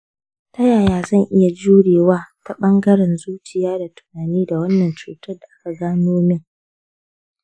ta yaya zan iya jurewa ta bangaren zuciya da tunani da wannan cutar da aka gano min?